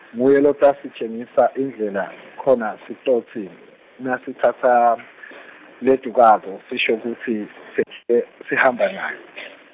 nguye lotasitjengisa indlela khona sitsotsi nasitsatsa ledukako sisho kutsi sed- ke sihamba naye.